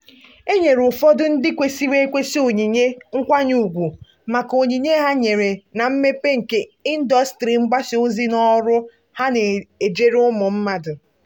E nyere ụfọdụ ndị kwesịrị ekwesị onyinye nkwanye ùgwù maka onyinye ha nyere na mmepe nke ndọstrị mgbasa ozi na ọrụ ha na-ejere ụmụ mmadụ.